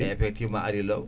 effectivement ari law